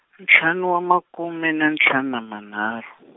ntlhanu wa makume na ntlhanu na manharhu.